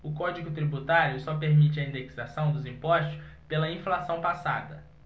o código tributário só permite a indexação dos impostos pela inflação passada